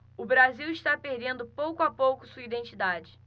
o brasil está perdendo pouco a pouco a sua identidade